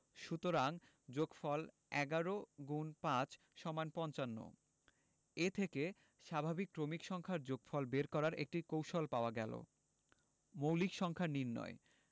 সুতরাং যোগফল ১১*৫=৫৫ এ থেকে স্বাভাবিক ক্রমিক সংখ্যার যোগফল বের করার একটি কৌশল পাওয়া গেল মৌলিক সংখ্যা নির্ণয়